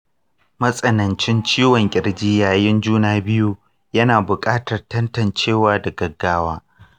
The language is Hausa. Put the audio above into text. matsanancin ciwon kirji yayin juna biyu, yana buƙatar tantancewa da gaggawa.